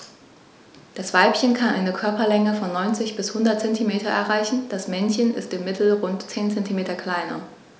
Das Weibchen kann eine Körperlänge von 90-100 cm erreichen; das Männchen ist im Mittel rund 10 cm kleiner.